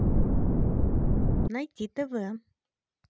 найти тв